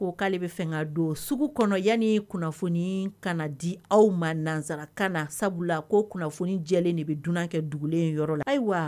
Ko k'ale bɛ fɛ ka don sugu kɔnɔ yanni kunnafoni kana di aw ma nansarakan la, sabula ko kunnafoni jɛlen de bɛ dunan kɛ dugulen ye yɔrɔ la. Ayiwa